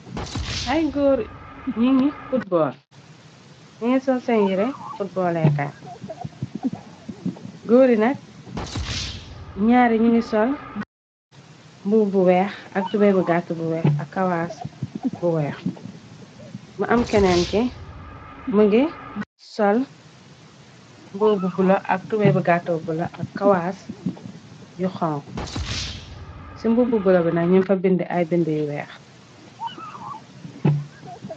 Ay goor footbol ingi sol seen yire footboleekaan góori nak ñaare ñi ngi sol mbu bu weex ak tube bu gatt bu weex ak kawaas bu weex ma am keneen ki më ngi sol mbobu bulo ak tube bu gatto bulo ak kawaas yu xong ci mbu bu bulo bulo na ñun fa bindi ay bind y weex.